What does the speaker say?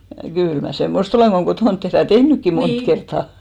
kyllä minä semmoista olen kun kotona tehdään ja tehnytkin monta kertaa